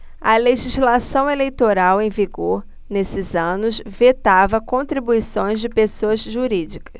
a legislação eleitoral em vigor nesses anos vetava contribuições de pessoas jurídicas